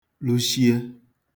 lushie